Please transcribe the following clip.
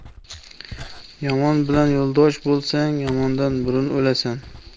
yomon bilan yo'ldosh bo'lsang yomondan burun o'lasan